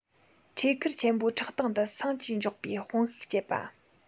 ཁྲེས ཁུར ཆེན པོ ཕྲག སྟེང དུ སངས ཀྱིས འགྱོགས པའི དཔུང ཤུགས སྐྱེད པ